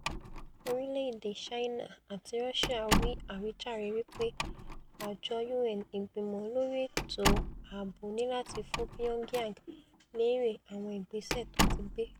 Orílẹ̀-èdè Ṣáínà àti Rọsia wí àwíjàre wí pe àjọ U.N. Ìgbìmọ lórí Ètò Ààbo ní láti fún Pyongyang léré àwọn ìgbésẹ̀ tóti gbé.